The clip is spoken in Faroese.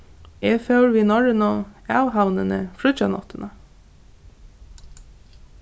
eg fór við norrønu av havnini fríggjanáttina